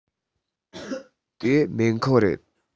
དེ སྨན ཁང རེད